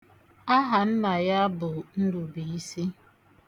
Aha nna ya bụ Ndụbiisi.